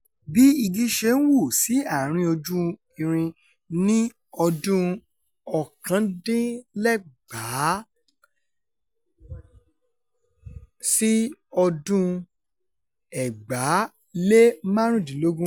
Bí igí ṣe ń wù sí àárín ojú irin ní 1999 sí 2015...